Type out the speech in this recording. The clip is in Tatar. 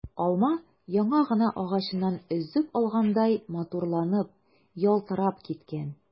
Алма яңа гына агачыннан өзеп алгандай матурланып, ялтырап киткән.